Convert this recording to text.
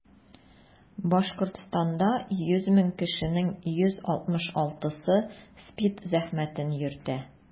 Башкортстанда 100 мең кешенең 166-сы СПИД зәхмәтен йөртә.